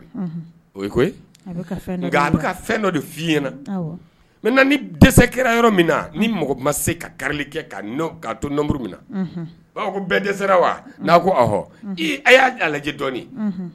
O ko nka a bɛ fɛn dɔ i ɲɛna n ni dɛsɛse kɛra yɔrɔ min ni mɔgɔ ma se ka kari kɛ touru minna na ko bɛn dɛsɛ wa'a kohɔ a y'a lajɛ dɔɔnin